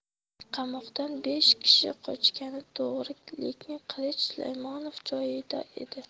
qamoqdan besh kishi qochgani to'g'ri lekin qilich sulaymonov joyida edi